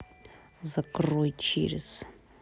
закрой через